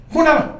Kun